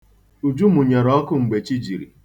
Uju mụnyere ọkụ mgbe chi jiri.